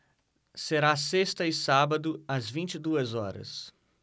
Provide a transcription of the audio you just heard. será sexta e sábado às vinte e duas horas